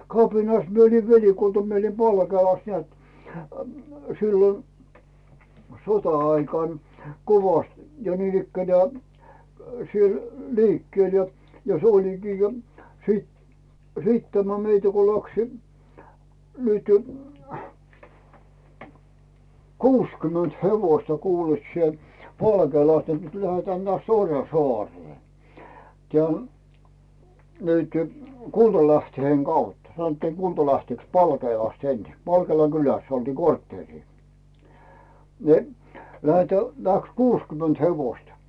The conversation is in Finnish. kapinassa minä olin velikulta minä olin Palkeelassa näet silloin sota-aikana kovasti ja niin ikään siellä liikkeellä ja se olikin jo sitten sitten tämä meitä kun lähti nyt kuusikymmentä hevosta kuule sinä Palkeelasta niin että tuli tähän näet Orjansaareen tähän nyt Kultalähteen kautta sanottiin Kultalähteeeksi Palkeelasta ensin Palkeelan kylässä oltiin kortteeria niin lähdetään lähti kuusikymmentä hevosta